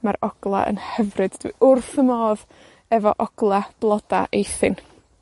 Ma'r ogla' yn hyfryd. Dwi wrth fy modd efo ogla' bloda Eithin.